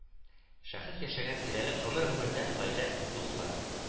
Шәхес яшәгән тирәлек гомер-гомердән гаилә, дуслар